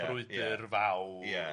y frwydr fawr